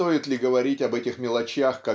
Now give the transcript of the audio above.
стоит ли говорить об этих мелочах